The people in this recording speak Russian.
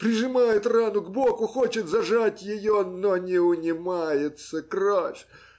прижимает рану к боку, хочет зажать ее, но не унимается кровь